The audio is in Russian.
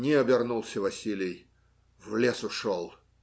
Не обернулся Василий, в лес ушел.